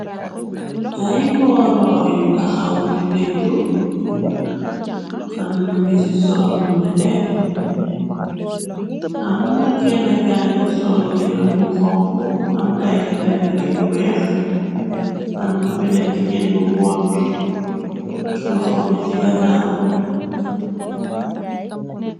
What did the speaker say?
ay mboolo yu taxaw di deglu am nanu ci solnu nete am na kenéka ngi sol yire bu xonku am ay teretera yu weex amna benén jigéen bu boot loxo mi ci ganaaw.